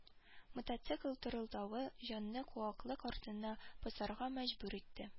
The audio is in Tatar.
Мотоцикл тырылдавы жанны-куаклык артына посарга мәҗбүр итте